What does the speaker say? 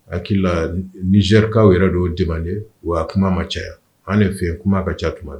N hakili la Nizɛrikaw yɛrɛ de y'o demandé w'a kuma ma caya, an de fɛ yen kuma ka ca tuma